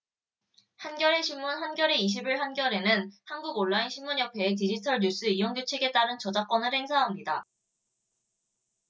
한겨레신문 한겨레 이십 일 한겨레는 한국온라인신문협회의 디지털뉴스이용규칙에 따른 저작권을 행사합니다